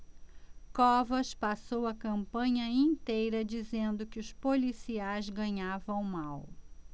covas passou a campanha inteira dizendo que os policiais ganhavam mal